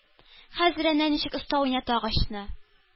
Хәзер әнә ничек оста уйната агачны,